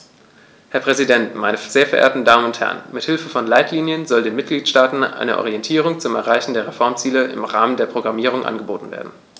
Herr Präsident, meine sehr verehrten Damen und Herren, mit Hilfe von Leitlinien soll den Mitgliedstaaten eine Orientierung zum Erreichen der Reformziele im Rahmen der Programmierung angeboten werden.